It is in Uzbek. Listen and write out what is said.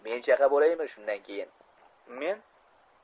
men chaqa bo'laymi shundan keyin